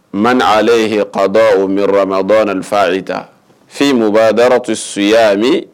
Mali ni ale ye h kadɔ o mi ma bɔ nanfa ta fi mɔgɔba d tɛ suya min